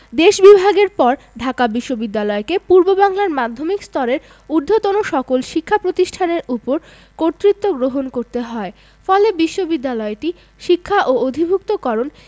দেশ বিভাগের পর ঢাকা বিশ্ববিদ্যালয়কে পূর্ববাংলার মাধ্যমিক স্তরের ঊধ্বর্তন সকল শিক্ষা প্রতিষ্ঠানের ওপর কর্তৃত্ব গ্রহণ করতে হয় ফলে বিশ্ববিদ্যালয়টি শিক্ষা ও অধিভূক্তকরণ